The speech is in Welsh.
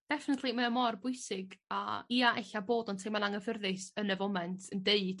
Definately mae o mor bwysig a ia ella bod o'n teimlo'n anghyffyrddus yn y foment yn deud